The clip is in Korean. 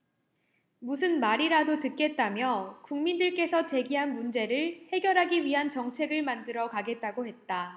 무슨 말이라도 듣겠다며 국민들께서 제기한 문제를 해결하기 위한 정책을 만들어 가겠다고 했다